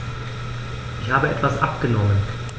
Ich habe etwas abgenommen.